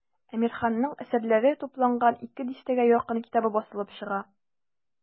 Әмирханның әсәрләре тупланган ике дистәгә якын китабы басылып чыга.